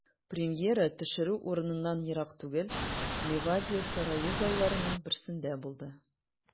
Премьера төшерү урыныннан ерак түгел, Ливадия сарае залларының берсендә булды.